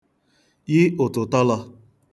yi ụ̀tụ̀tọlọ̄